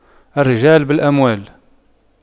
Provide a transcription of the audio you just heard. الرجال بالأموال